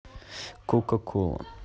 кока кола